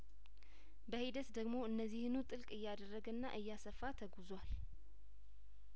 በሂደት ደሞ እነዚህ ኑ ጥልቅ እያደረገና እያሰፋ ተጉዟል